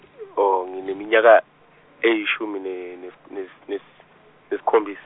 ngineminyaka eyishumi ne- nesi- nesi- nesi- nesikhombis-.